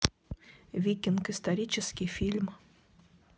викинг исторический фильм